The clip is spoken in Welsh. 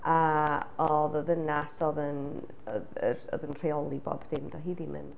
A oedd y ddynas oedd yn y yr... oedd yn rheoli bob dim, doedd hi ddim yn...